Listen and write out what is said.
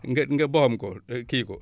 nga nga bóom ko kii ko